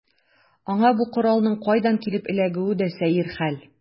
Аңа бу коралның кайдан килеп эләгүе дә сәер хәл.